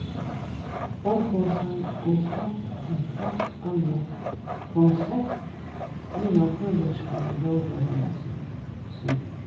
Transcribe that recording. bommposan og skapt eitt heilt annað konsept innan føroyskar síður